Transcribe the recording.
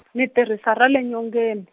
ni tirisa ra le nyongeni.